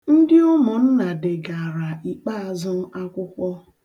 Ndị ụmụnna degaara Ikpeazụ akwụkwọ.